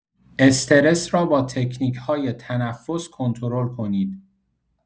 استرس را با تکنیک‌های تنفس کنترل کنید.